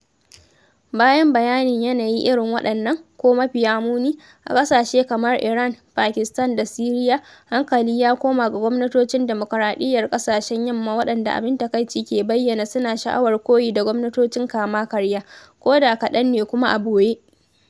Bayan bayanin yanayi irin waɗannan (ko mafiya muni) a ƙasashe kamar Iran, Pakistan da Siriya, hankali ya koma ga gwamnatocin dimokuraɗiyyar ƙasashen Yamma waɗanda abin takaici ke bayyana suna sha’awar koyi da gwamnatocin kama karya, koda kaɗan ne kuma a ɓoye.